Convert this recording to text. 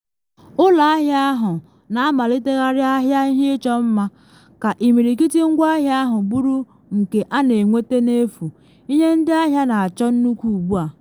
Ụlọ ahịa ndị ahụ na amalitegharị ahịa ihe ịchọ mma, ka imirikiti ngwaahịa ahụ bụrụ nke a na-enwete n'efu - ihe ndị ahịa na-achọ nnukwu ugbua.